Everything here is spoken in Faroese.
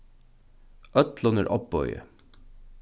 øllum er ovboðið